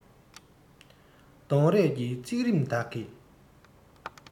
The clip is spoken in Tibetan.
གདོང རས ཀྱི བརྩེགས རིམ བདག གིས